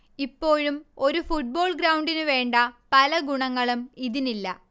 ഇപ്പോഴും ഒരു ഫുട്ബോൾ ഗ്രൗണ്ടിനുവേണ്ട പല ഗുണങ്ങളും ഇതിനില്ല